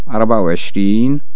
ربعة او عشرين